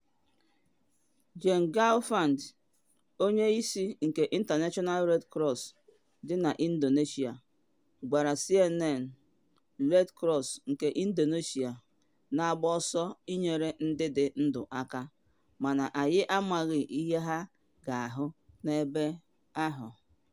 Jan Gelfand, onye isi nke International Red Cross dị na Indonesia, gwara CNN: “Red Cross nke Indonesia na agba ọsọ ịnyere ndị dị ndụ aka mana anyị amaghị ihe ha ga-ahụ ebe ahụ.